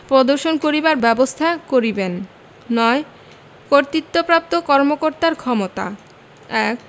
প্রদর্শন করিবার ব্যবস্থা করিবেন ৯ কর্তৃত্বপ্রাপ্ত কর্মকর্তার ক্ষমতা ১